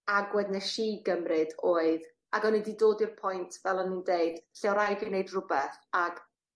agwedd nesh i gymryd oedd... Ag o'n i 'di dod i'r point pwynt fel o'n i'n deud lle o' raid i fi neud rwbeth ag